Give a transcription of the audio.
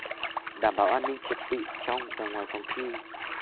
đảm bảo an ninh trật tự trong và ngoài phòng thi